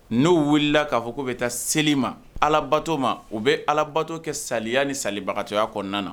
N'o wulila k'a fɔ k kou bɛ taa se ma alabato ma u bɛ alabato kɛ saya ni sabagakatɔya kɔnɔna na